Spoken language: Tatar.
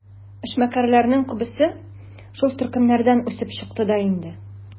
Эшмәкәрләрнең күбесе шул төркемнәрдән үсеп чыкты да инде.